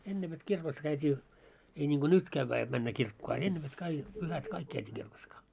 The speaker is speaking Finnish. ennen vet kirkossa käytiin ei niin kuin nyt käydään jotta mennään kirkkoon a ennen vet - pyhät kaikki käytiin kirkossa -